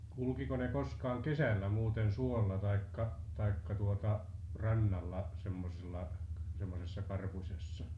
kulkiko ne koskaan kesällä muuten suolla tai tai tuota rannalla semmoisella semmoisessa karpusessa